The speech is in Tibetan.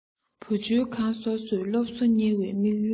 བུ བཅོལ ཁང སོ སོས སློབ གསོ གཉེར བའི དམིགས ཡུལ དང